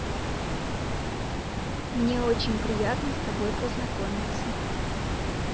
мне очень приятно с тобой познакомиться